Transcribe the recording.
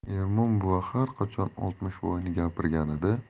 ermon buva har qachon oltmishvoyni gapirganida